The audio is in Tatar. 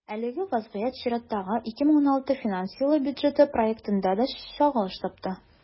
Әлеге вазгыять чираттагы, 2016 финанс елы бюджеты проектында да чагылыш тапты.